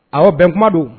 Aw bɛn kuma don